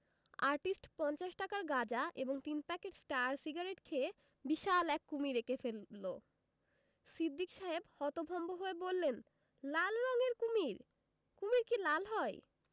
artist পঞ্চাশ টাকার গাঁজা এবং তিন প্যাকেট স্টার সিগারেট খেয়ে বিশাল এক কুমীর এঁকে ফেলল সিদ্দিক সাহেব হতভম্ব হয়ে বললেন লাল রঙের কুমীর কুমীর কি লাল হয়